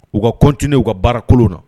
U ka continuer u ka baara kolon na